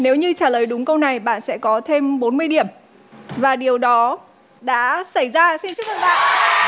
nếu như trả lời đúng câu này bạn sẽ có thêm bốn mươi điểm và điều đó đã xảy ra xin chúc mừng bạn